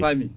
a faami